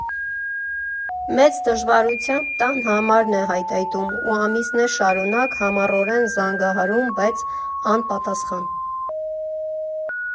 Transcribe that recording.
Մեծ դժվարությամբ տան համարն է հայթայթում ու ամիսներ շարունակ համառորեն զանգահարում, բայց՝ անպատասխան։